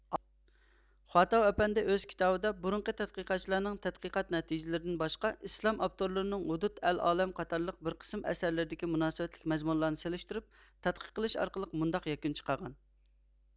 خۇا تاۋ ئەپەندى ئۆز كىتابىدا بۇرۇنقى تەتقىقاتچىلارنىڭ تەتقىقات نەتىجىلىرىدىن باشقا ئىسلام ئاپتورلىرىنىڭ ھودۇد ئەل ئالەم قاتارلىق بىر قىسىم ئەسەرلىرىدىكى مۇناسىۋەتلىك مەزمۇنلارنى سېلىشتۇرۇپ تەتقىق قىلىش ئارقىلىق مۇنداق يەكۈن چىقارغان